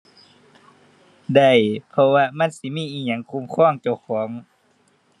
ได้ เพราะว่ามันสิมีอิหยังคุ้มครองเจ้าของ